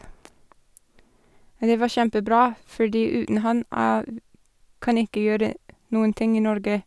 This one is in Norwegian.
Men det var kjempebra, fordi uten han jeg v kan ikke gjøre noen ting i Norge.